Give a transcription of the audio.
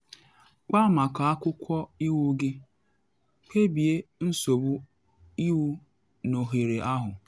Kpaa maka akwụkwọ iwu gị: Kpebie nsogbu iwu n’ohere ahụ.